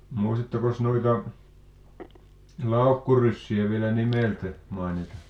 muistattekos noita laukkuryssiä vielä nimeltä mainita